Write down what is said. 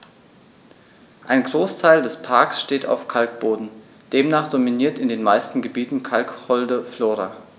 Ein Großteil des Parks steht auf Kalkboden, demnach dominiert in den meisten Gebieten kalkholde Flora.